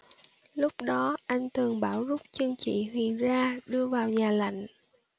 lúc đó anh tường bảo rút chân chị huyền ra đưa vào nhà lạnh